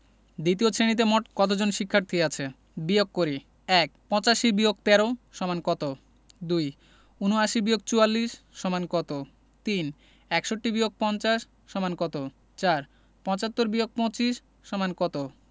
দ্বিতীয় শেণিতে মোট কত জন শিক্ষার্থী আছে বিয়োগ করিঃ ১ ৮৫-১৩ = কত ২ ৭৯-৪৪ = কত ৩ ৬১-৫০ = কত ৪ ৭৫-২৫ = কত